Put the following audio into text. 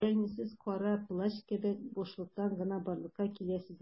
Ягъни сез Кара Плащ кебек - бушлыктан гына барлыкка киләсезме?